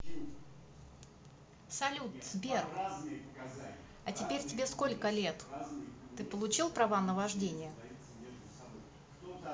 сбер салют а теперь тебе сколько лет ты получил права на вождение